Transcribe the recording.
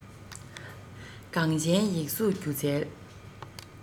གངས ཅན ཡིག གཟུགས སྒྱུ རྩལ